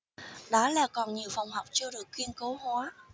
đó là còn nhiều phòng học chưa được kiên cố hóa